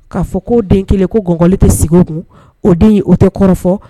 K'a fɔ k ko den kelen ko nkkɔli tɛ sigi kun o den o tɛ kɔrɔfɔ